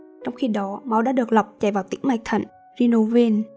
trong khi đó máu đã được lọc đi vào tĩnh mạch thận